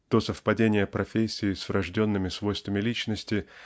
То совпадение профессии с врожденными свойствами личности